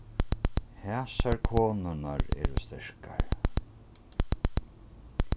hasar konurnar eru sterkar